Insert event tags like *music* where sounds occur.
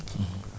*hesitation* *hesitation*